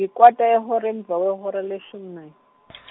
ikwata yehora, emva kwehora leshumi nanye .